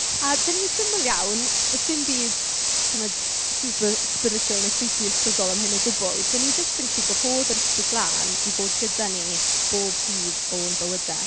A dan ni'n syml iawn, does dim byd chimod super spiritual neu freaky ysbrydol am hyn o gwbl, dan ni jyst yn gallu gwahodd yr ysbryd glân i fod gyda ni bob dydd o'n bywydau.